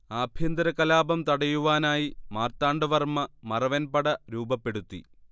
ആഭ്യന്തര കലാപം തടയുവാനായി മാർത്താണ്ഡ വർമ മറവൻ പട രൂപപ്പെടുത്തി